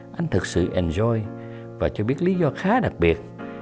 anh thực sự èn doi và cho biết lý do khá đặc biệt